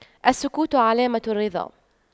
السكوت علامة الرضا